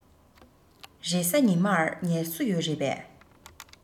རེས གཟའ ཉི མ ངལ གསོ ཡོད རེད པས